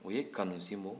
o ye kanusinbon